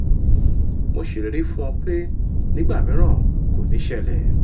Mo le ṣèlérí fún ọ pé nígbàmíràn ò ní ṣẹlẹ̀.